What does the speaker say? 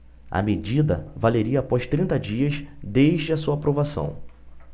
a medida valeria após trinta dias desde a sua aprovação